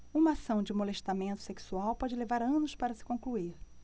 uma ação de molestamento sexual pode levar anos para se concluir